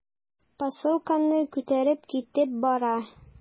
Посылканы күтәреп китеп бара.